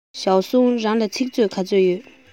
ཞའོ སུའུ རང ལ ཚིག མཛོད ག ཚོད ཡོད